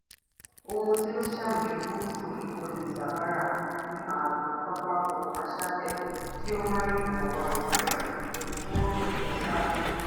Ohun tí ó ṣàmì gúúsù ibodè Sahara ni ààtò pápáko aṣálẹ̀ tí ó máa ń rí ìwọ̀nba òjò èyí tí wọ́n ń pè ní Sahel.